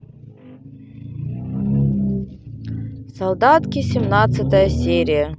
солдатки семнадцатая серия